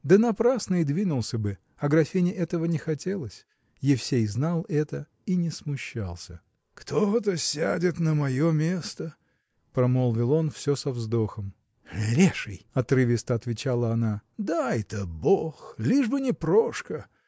да напрасно и двинулся бы: Аграфене этого не хотелось. Евсей знал это и не смущался. – Кто-то сядет на мое место? – промолвил он, все со вздохом. – Леший! – отрывисто отвечала она. – Дай-то бог! лишь бы не Прошка.